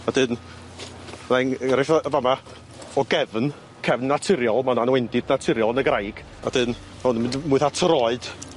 A' 'dyn ma' eng- enghraiff o yn fama o gefyn cefn naturiol ma' wnna'n wendid naturiol yn y graig a 'dyn ma' 'wn yn mynd 'n mwy 'tha troid.